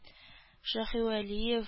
Шаһивәлиев